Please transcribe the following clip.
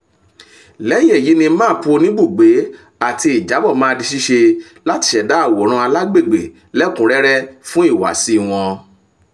Lẹ́hìn èyí ní máàpù oníbùgbé àti ìjábọ̀ máa di ṣiṣe láti ṣẹ̀dá àwòràn alágbègbè lẹ́kúnrẹ́rẹ́ fún ìhùwàsí wọn.